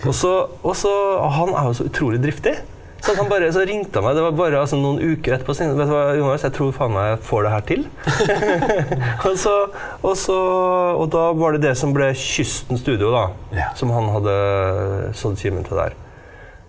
også også han er jo så utrolig driftig, sånn at han bare så ringte han meg, det var bare altså noen uker etterpå, så tenkte jeg vet du hva Jon Marius jeg tror faen meg jeg får det her til, også også og da var det det som ble Kysten studio da som han hadde sådd kimen til der.